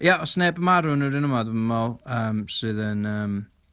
Ia, does neb yn marw yn yr un yma, dwi'm yn meddwl yym sydd yn yym...